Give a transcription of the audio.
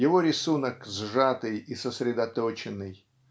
его рисунок - сжатый и сосредоточенный.